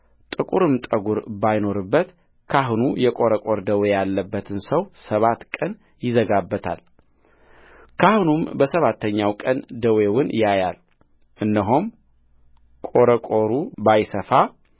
ጥቁርም ጠጕር ባይኖርበት ካህኑ የቈረቈር ደዌ ያለበትን ሰው ሰባት ቀን ይዘጋበታልካህኑም በሰባተኛው ቀን ደዌውን ያያል እነሆም ቈረቈሩ ባይሰፋ